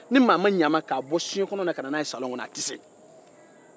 ni maa ma ɲɛ a ma k'a bɔ soɲɛkɔnɔ na ka na n'a ye salɔn kɔnɔ a tɛ se